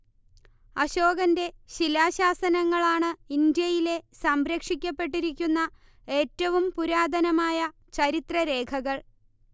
അശോകന്റെ ശിലാശാസനങ്ങളാണ് ഇന്ത്യയിലെ സംരക്ഷിക്കപ്പെട്ടിരിക്കുന്ന ഏറ്റവും പുരാതനമായ ചരിത്രരേഖകൾ